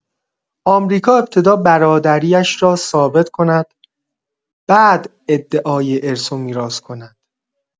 آمریکا ابتدا برادری‌اش را ثابت کند، بعد ادعای ارث و میراث کند.